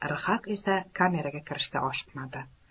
rhaq esa kameraga kirishga oshiqmadi